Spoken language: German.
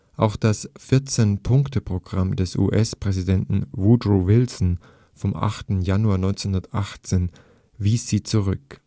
Auch das 14-Punkte-Programm des US-Präsidenten Woodrow Wilson vom 8. Januar 1918 wies sie zurück